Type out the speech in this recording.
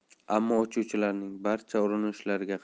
ammo uchuvchilarning barcha urinishlariga